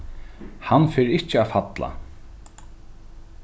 hann fer ikki at falla